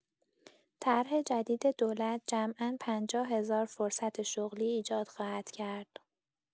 طرح جدید دولت جمعا ۵۰ هزار فرصت شغلی ایجاد خواهد کرد.